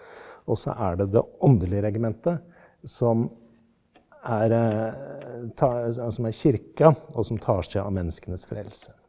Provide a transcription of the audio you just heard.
og så er det det åndelige regimentet som er som er kirka og som tar seg av menneskenes frelse.